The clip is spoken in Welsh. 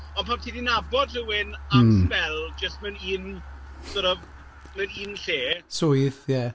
Ond pan ti 'di nabod rywun... mm. ...am sbel, jyst mewn un sort of mewn un lle... Swydd, ie.